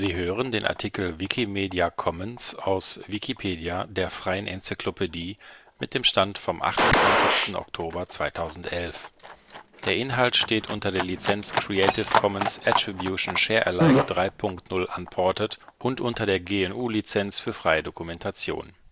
hören den Artikel Wikimedia Commons, aus Wikipedia, der freien Enzyklopädie. Mit dem Stand vom Der Inhalt steht unter der Lizenz Creative Commons Attribution Share Alike 3 Punkt 0 Unported und unter der GNU Lizenz für freie Dokumentation